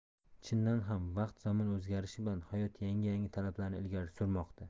chindan ham vaqt zamon o'zgarishi bilan hayot yangi yangi talablarni ilgari surmoqda